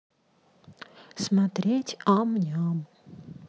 смотреть ам ням